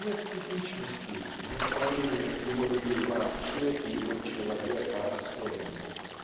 Нет типичности в настроениях его людей вообще и его Человека особенно.